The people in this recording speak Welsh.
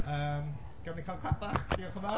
Yym gawn ni gael clap bach. Diolch yn fawr.